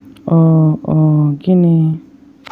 Uh, uh, gịnị.